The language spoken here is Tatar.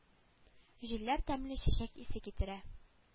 Җилләр тәмле чәчәк исе китерә